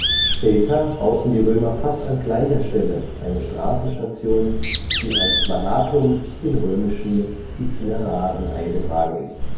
Später bauten die Römer fast an gleicher Stelle eine Straßenstation, die als Vallatum in römischen Itineraren eingetragen ist